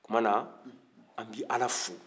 o tuma na an bɛ ala fo